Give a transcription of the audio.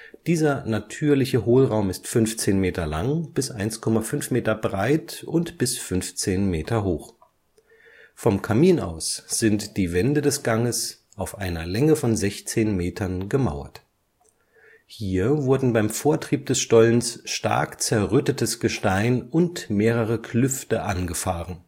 Dieser natürliche Hohlraum ist 15 Meter lang, bis 1,5 Meter breit und bis 15 Meter hoch. Vom Kamin aus sind die Wände des Ganges auf einer Länge von 16 Metern gemauert. Hier wurden beim Vortrieb des Stollens stark zerrüttetes Gestein und mehrere Klüfte angefahren